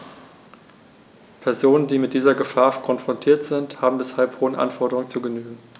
Personen, die mit dieser Gefahr konfrontiert sind, haben deshalb hohen Anforderungen zu genügen.